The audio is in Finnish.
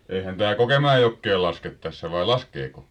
eihän tämä Kokemäenjokeen laske tässä vai laskeeko